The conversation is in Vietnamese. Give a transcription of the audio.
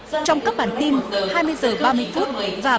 trong các bản tin hai mươi giờ ba mươi phút và